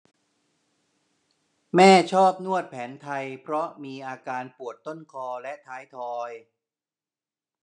แม่ชอบนวดแผนไทยเพราะมีอาการปวดต้นคอและท้ายทอย